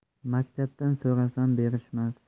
maktabdan so'rasam berishmas